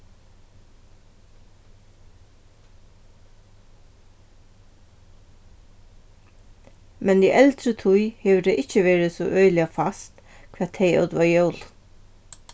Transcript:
men í eldri tíð hevur tað ikki verið so øgiliga fast hvat tey ótu á jólum